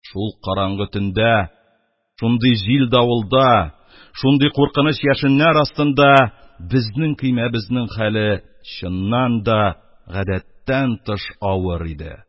Шул караңгы төндә, шундый җил-давылда, шундый куркыныч яшеннәр астында безнең көймәбезнең хәле, чыннан да, гадәттән тыш авыр иде.